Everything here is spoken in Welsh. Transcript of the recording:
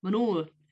ma' nw